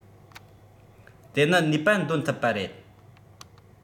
དེ ནི ནུས པ འདོན ཐུབ པ རེད